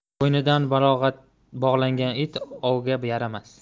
bo'ynidan bog'langan it ovga yaramas